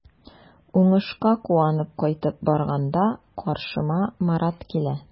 Уңышка куанып кайтып барганда каршыма Марат килә.